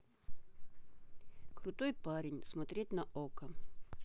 крутой парень смотреть на окко